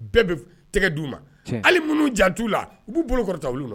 Bɛɛ bɛ tɛgɛ d di' u ma hali minnu jan' la u'u bolo kɔrɔta wu na